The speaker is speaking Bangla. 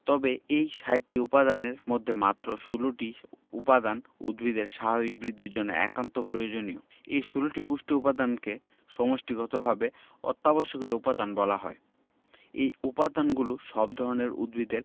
তবে এই ৬০টি উপাদানের মধ্যে মাত্র ১৬টি উপাদান উদ্ভিদের স্বাভাবিক বৃদ্ধির জন্য একান্ত প্রয়োজনীয় এ ১৬টি পুষ্টি উপাদানকে সমষ্টিগতভাবে অত্যাবশ্যকীয় উপাদান বলা হয় এই উপাদানগুলো সব ধরনের উদ্ভিদের